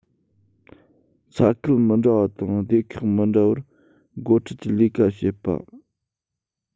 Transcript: ས ཁུལ མི འདྲ བ དང སྡེ ཁག མི འདྲ བར འགོ ཁྲིད ཀྱི ལས ཀ བྱེད པ